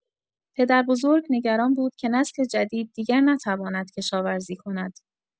پدربزرگ نگران بود که نسل جدید دیگر نتواند کشاورزی کند.